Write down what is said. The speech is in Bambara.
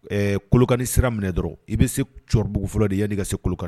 Ɛɛ kolokani sira minɛ dɔrɔn i bɛ se cɛkɔrɔbabugu fɔlɔ de yan i ka se kulukani